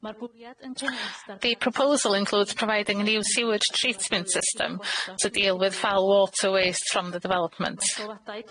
Mae'r bwriad yn cynnwys- The proposal includes providing a new sewage treatment system to deal with foul water waste from the development.